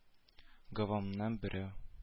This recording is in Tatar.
Гавамнан берәү